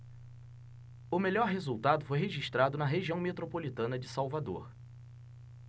o melhor resultado foi registrado na região metropolitana de salvador